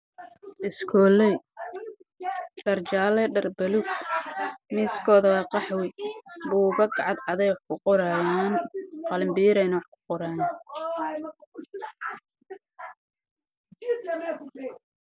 Waa arday wato dhar jaalo iyo buluug wato